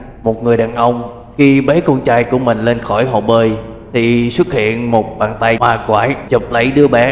khi mấy con trai của mình lên khỏi hồ bơi thì xuất hiện một bàn tay ma quái chụp lấy đứa bé